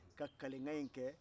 ka kalekan in kɛ